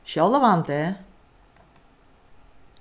sjálvandi